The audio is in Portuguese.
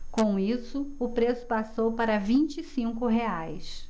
com isso o preço passou para vinte e cinco reais